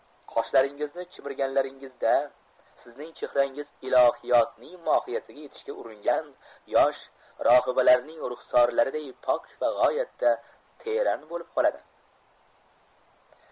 qoshlaringizni chimirganlaringizda sizning chehrangiz ilohiyotning mohiyatiga yetishga uringan yosh rohibllarning ruxsorlariday pok va g'oyatda teran bo'lib qoladi